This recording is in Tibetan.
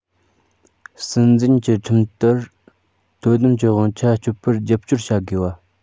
སྲིད འཛིན གྱིས ཁྲིམས ལྟར དོ དམ གྱི དབང ཆ སྤྱོད པར རྒྱབ སྐྱོར བྱ དགོས པ